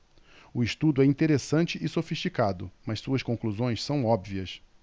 o estudo é interessante e sofisticado mas suas conclusões são óbvias